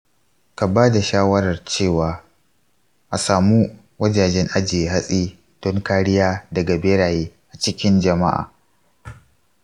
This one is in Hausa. ka bada shawarar cewa asamu wajajen ajiye hatsi don kariya daga beraye a cikin jama'a.